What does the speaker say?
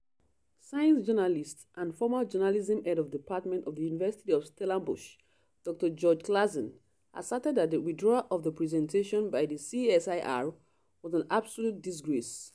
Science journalist and former Journalism head of department of the University of Stellenbosch, Dr George Claassen asserted that the withdrawal of the presentation by the CSIR was an “absolute disgrace”.